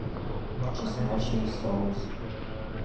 чесночный соус